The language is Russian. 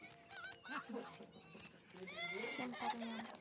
всем парням